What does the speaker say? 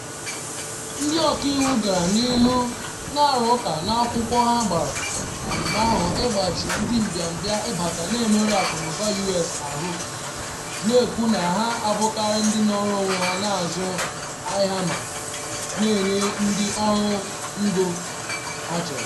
Ndị ọka iwu gara n’ihu na-arụ ụka n’akwụkwọ ha gbara na amụma ahụ ịgbachi ndị mbịambịa ịbata na-emerụ akụnụba U.S ahụ, na-ekwu na ha na-abụkarị ndị nọrọ onwe ha azụ ahịa ma “na-enye ndị ọrụ ngo achọrọ.”